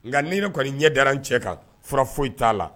Nka ni ne kɔni ɲɛ dara n cɛ kan, fura foyi t'a la.